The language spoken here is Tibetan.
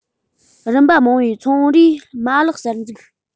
རིམ པ མང བའི ཚོང རའི མ ལག གསར འཛུགས